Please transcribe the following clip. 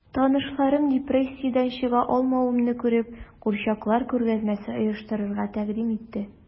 Танышларым, депрессиядән чыга алмавымны күреп, курчаклар күргәзмәсе оештырырга тәкъдим итте...